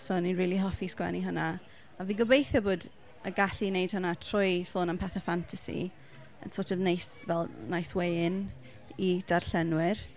So o'n i'n rili hoffi sgwennu hwnna a fi'n gobeithio bod y gallu i wneud hwnna trwy sôn am pethe ffantasi yn sort of neis fel nice way in i darllenwyr.